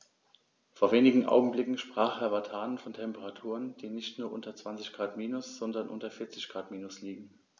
Vor wenigen Augenblicken sprach Herr Vatanen von Temperaturen, die nicht nur unter 20 Grad minus, sondern unter 40 Grad minus liegen.